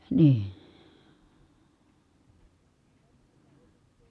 niin se paloi